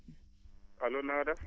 allo na nga def